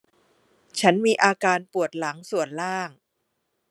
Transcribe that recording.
ฉันมีอาการปวดหลังส่วนล่าง